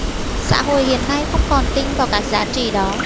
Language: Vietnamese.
xã hội hiện nay không còn tin vào các giá trị đó